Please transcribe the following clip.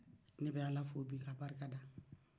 ne bɛ ala fo k'a barida